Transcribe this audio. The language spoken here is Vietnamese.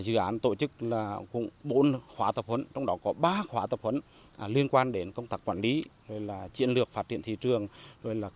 dự án tổ chức là cũng bốn khóa tập huấn trong đó có ba khóa tập huấn hắn liên quan đến công tác quản lý là chiến lược phát triển thị trường rồi là